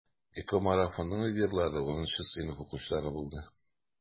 ЭКОмарафонның лидерлары 10 сыйныф укучылары булды.